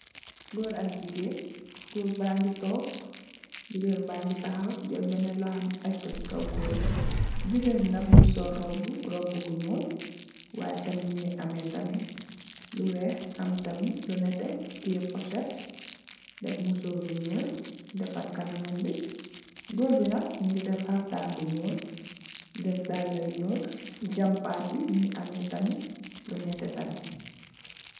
Goor ak jigeen, goor bangi toog, jigeen bangi tahaw jal beneen loxom bi aj ko si goor bi, jigeen bi nak mingi sol robbu, robbu bu nyuul, way tamit mingi ame tamit lu weex, am tamit lu nete, tiye poset, def musoor bu nyuul, defar kanam bi, goor bi nak mingi def xaftaan bu nyuul, def dalle yu nyuul, jam baat bi, mingi ame tamit lu nete tamit.